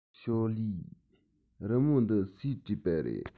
ཞོའོ ལིའི རི མོ འདི སུས བྲིས པ རེད